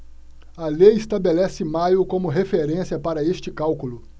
a lei estabelece maio como referência para este cálculo